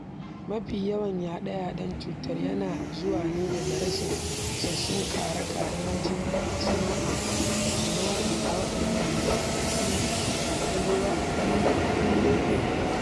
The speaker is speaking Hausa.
Mafi yawan yaɗe-yaɗen cutar yana zuwa ne daga rashin isasshun kare-kare na jima'i a waɗannan hulɗoɗi.